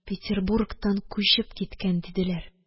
Петербургтан күчеп киткән, диделәр.